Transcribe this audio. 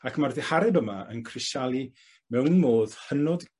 Ac ma'r ddihareb yma yn crisialu mewn modd hynod